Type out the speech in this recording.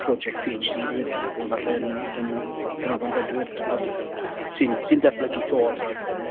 project PhD fydden i'n meddwl falle yn yn Canolfan Bedwyr timod sy'n sy'n datblygu 'to timod yy